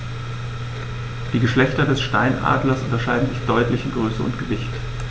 Die Geschlechter des Steinadlers unterscheiden sich deutlich in Größe und Gewicht.